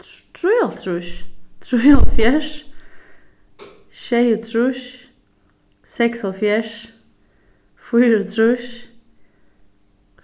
trýoghálvtrýss trýoghálvfjerðs sjeyogtrýss seksoghálvfjerðs fýraogtrýss